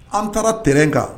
An taara terrain kan